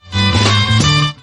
San